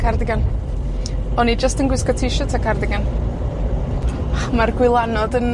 cardigan. O'n i jyst yn gwisgo t shirt a cardigan. Ma'r gwylanod yn